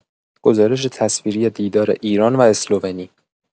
گزارش تصویری دیدار ایران و اسلوونی